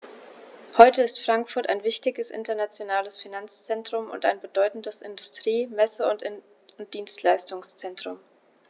Heute ist Frankfurt ein wichtiges, internationales Finanzzentrum und ein bedeutendes Industrie-, Messe- und Dienstleistungszentrum.